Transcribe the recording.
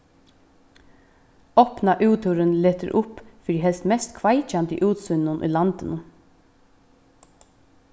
opna úthurðin letur upp fyri helst mest kveikjandi útsýninum í landinum